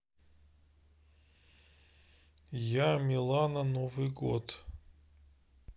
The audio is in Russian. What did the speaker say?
я милана новый год